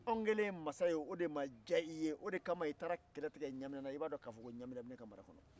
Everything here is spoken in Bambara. anw kɛlen mansa ye o de ma diya i ye o de ka ma i taara kɛlɛ tikɛ ɲamina i b'a dɔn k'a fɔ ko ɲamina bɛ ne ka mara kɔnɔ